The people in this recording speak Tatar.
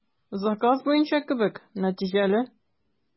Заказ буенча кебек, нәтиҗәле.